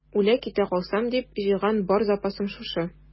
Үлә-китә калсам дип җыйган бар запасым шушы.